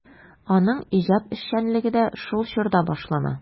Аның иҗат эшчәнлеге дә шул чорда башлана.